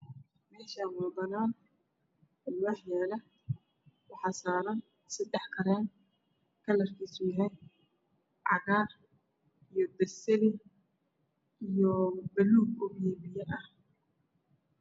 Meshan waa banan alwax yalo waxa saran sedax karen kalrakis yahay cagar io baseli io baluug biyobiyo ah